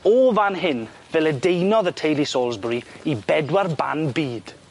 O fan hyn fe ledaenodd y teulu Salisbury i bedwar ban byd.